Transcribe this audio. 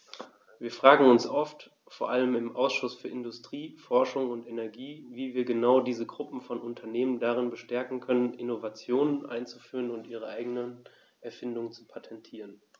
Wir fragen uns oft, vor allem im Ausschuss für Industrie, Forschung und Energie, wie wir genau diese Gruppe von Unternehmen darin bestärken können, Innovationen einzuführen und ihre eigenen Erfindungen zu patentieren.